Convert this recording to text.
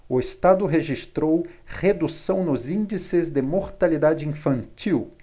o estado registrou redução nos índices de mortalidade infantil